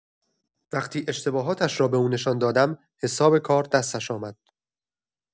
وقتی اشتباهاتش را به او نشان دادم، حساب کار دستش آمد.